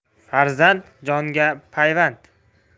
farzand jonga payvand